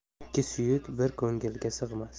ikki suyuk bir ko'ngilga sig'mas